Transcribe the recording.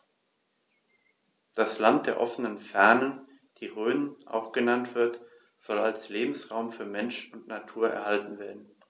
Das „Land der offenen Fernen“, wie die Rhön auch genannt wird, soll als Lebensraum für Mensch und Natur erhalten werden.